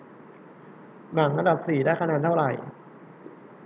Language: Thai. หนังอันดับสี่ได้คะแนนเท่าไหร่